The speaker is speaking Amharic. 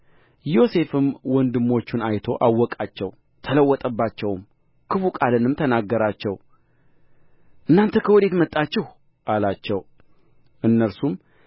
ዮሴፍም ወንድሞቹን አይቶ አወቃቸው ተለወጠባቸውም ክፉ ቃልንም ተናገራቸው እናንተ ከወዴት መጣችሁ አላቸው እነርሱም